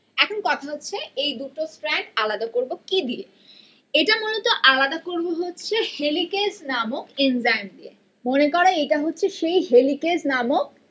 এখন কথা হচ্ছে এই দুটো স্ট্র্যান্ড আলাদা করবো কি দিয়ে এটা মূলত আলাদা করব হচ্ছে হেলিকেজ নামক এনজাইম দিয়ে মনে করো এটা হচ্ছে সেই হেলিকেজ নামক